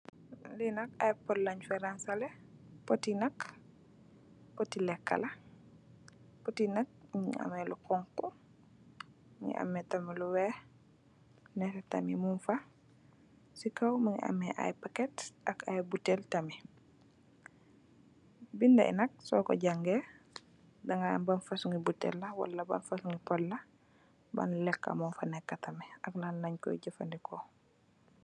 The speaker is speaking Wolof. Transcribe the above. Lii nak ay pot lañ fa rangsele, poti leeks la, poti nak poti leeks la, poti nak mu ngi am lu xonxa, mu ngi amee lu weex, nette tamit muñ fa, si know mu ngi am ay pallet, ak ay buttel, buttel to nak so ko jangee, dinga xam plan lañ kooy jafendeko, ban fasong kol la, ban fasong leeka moo fa neek.